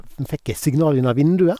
Nå fikk jeg signal gjennom vinduet.